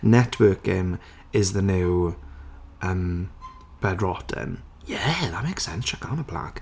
Networking is the new umm bedrotting. Yeah, that makes sense. Chuck that on a plaque.